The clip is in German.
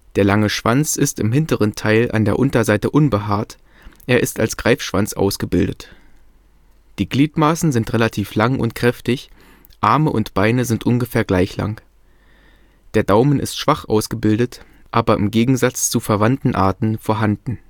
Der lange Schwanz ist im hinteren Teil an der Unterseite unbehaart, er ist als Greifschwanz ausgebildet. Die Gliedmaßen sind relativ lang und kräftig, Arme und Beine sind ungefähr gleich lang. Der Daumen ist schwach ausgebildet, aber im Gegensatz zu verwandten Arten vorhanden